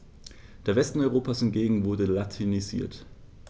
Der Westen Europas hingegen wurde latinisiert.